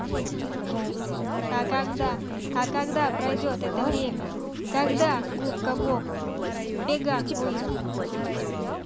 а когда а когда пройдет это время когда губка боб в бегах выйдет